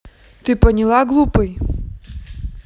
ты поняла глупый